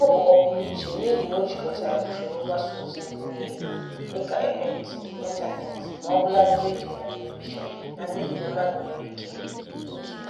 Ọ bụ ọpụrụiche n'ihi na ọ jịkọtara usoro mgbasaozi mbụ niile, dịka ekwentị, ịntaneetị, ma ọbụladị redio na televishọn, ma n'ihi na mmadụ nwere ike: 1.